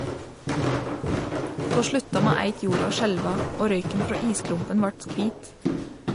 Då slutta med eitt jorda å skjelva, og røyken frå isklumpen vart kvit.